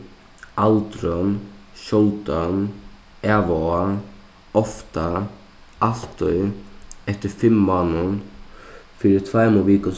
aldrin sjáldan av og á ofta altíð eftir fimm mánum fyri tveimum vikum